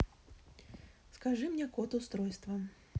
скажи мне код устройства